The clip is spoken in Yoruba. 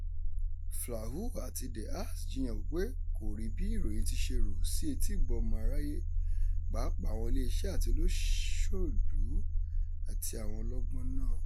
Flahaux àti De Haas jiyàn wípé kò rí bí ìròyín ti ṣe rò ó sí etígbọ̀ọ́ ọmọ aráyé pàápàá "àwọn ilé iṣẹ́ àti olóṣòlú" àti àwọn ọlọ́gbọ́n náà.